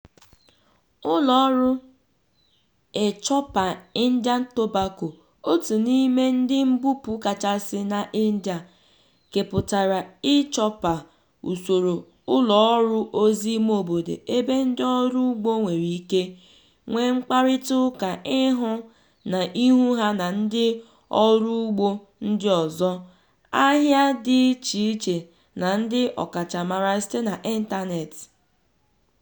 Ụlọọrụ eChoupal Indian Tobacco, otu n'ime ndị mbupụ kachasị n'India, kepụtara eChoupal, usoro ụlọọrụ ozi imeobodo ebe ndị ọrụugbo nwere ike nwee mkparịtaụka ihu na ihu ha na ndị ọrụugbo ndị ọzọ, ahịa dị icheiche na ndị ọkachamara site n'ịntaneetị.